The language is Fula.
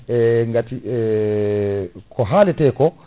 e gati ko ko haalete ko